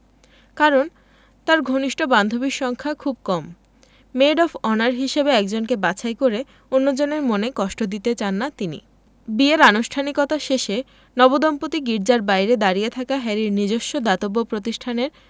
কারণ তাঁর ঘনিষ্ঠ বান্ধবীর সংখ্যা খুব কম মেড অব অনার হিসেবে একজনকে বাছাই করে অন্যজনের মনে কষ্ট দিতে চান না তিনি বিয়ের আনুষ্ঠানিকতা শেষে নবদম্পতি গির্জার বাইরে দাঁড়িয়ে থাকা হ্যারির নিজস্ব দাতব্য প্রতিষ্ঠানের